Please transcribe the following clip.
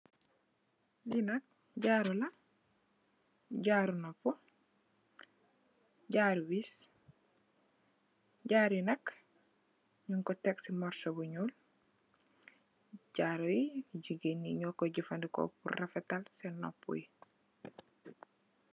Lii nak jaaru la, jaaru noppu, jaaru wees, jaaru yi nak nyun ko tegg si morso bu nyuul, jaaru yi jigeen yi nyoko jafandiko pur refetal seen noppu yi.